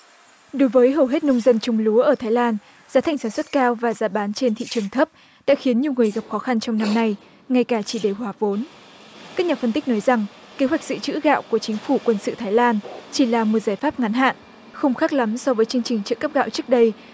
đối với hầu hết nông dân trồng lúa ở thái lan giá thành sản xuất cao và giá bán trên thị trường thấp đã khiến nhiều người gặp khó khăn trong năm nay ngay cả chỉ để hòa vốn các nhà phân tích nói rằng kế hoạch dự trữ gạo của chính phủ quân sự thái lan chỉ là một giải pháp ngắn hạn không khác lắm so với chương trình trợ cấp gạo trước đây